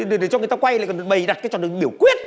để để cho người ta quay lại còn bày đặt cái trò biểu quyết